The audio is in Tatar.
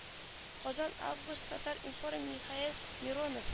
Казан август татар-информ михаил миронов